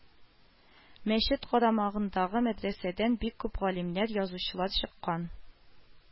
Мәчет карамагындагы мәдрәсәдән бик күп галимнәр, язучылар чыккан